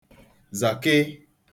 zàkụị